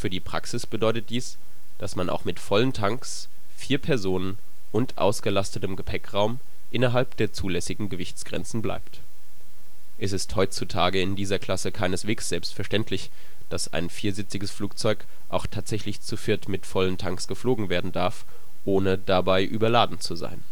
die Praxis bedeutet dies, dass man auch mit vollen Tanks, vier Personen und ausgelastetem Gepäckraum innerhalb der zulässigen Gewichtsgrenzen bleibt. Es ist heutzutage in dieser Klasse keineswegs selbstverständlich, dass ein viersitziges Flugzeug auch tatsächlich zu viert mit vollen Tanks geflogen werden darf, ohne überladen zu sein